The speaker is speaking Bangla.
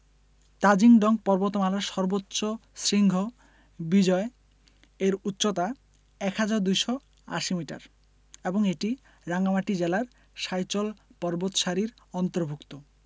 তাজিং ডং পর্বতমালার সর্বোচ্চ শৃঙ্গ বিজয় এর উচ্চতা ১হাজার ২৮০ মিটার এবং এটি রাঙ্গামাটি জেলার সাইচল পর্বতসারির অন্তর্ভূক্ত